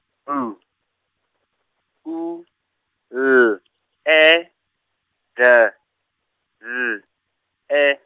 N U L E D L E.